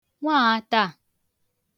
nwaatā